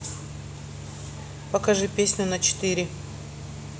покажи песню на четыре